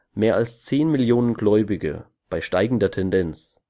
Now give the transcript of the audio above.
mehr als 10 Millionen Gläubige bei steigender Tendenz